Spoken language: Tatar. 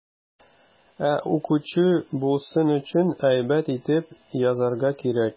Ә укучы булсын өчен, әйбәт итеп язарга кирәк.